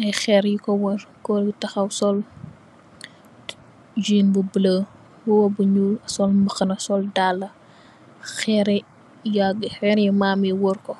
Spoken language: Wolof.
ay xeer yi ko wër. Goor bi taxaw, sol join but bulo, mbuba bi ñuul, sol mbaxana, sol dallë, xeeri maam yi wër ko.